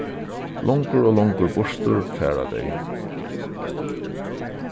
longur og longur burtur fara tey